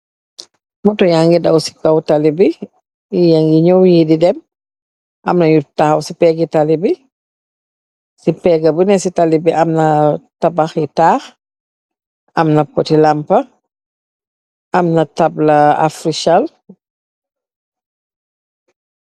"motto", yaa ngee daw si kow talli bi, yii angi ñaw, yi angi dem, am yu taxaw si peegë talli bi, si peegë bi si talli bi am tabaai taax, am na potti lampa, am na tabla "Africell".